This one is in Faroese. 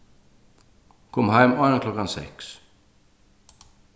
kom heim áðrenn klokkan seks